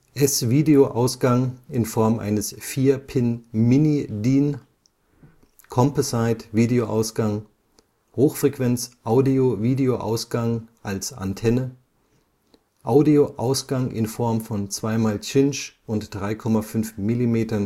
S-Video-Ausgang (4-Pin Mini-DIN) Composite-Video-Ausgang Hochfrequenz-Audio/Video-Ausgang (Antenne) Audio-Ausgang (2 × Cinch und 3,5 mm